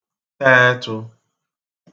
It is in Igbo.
ta etụ̄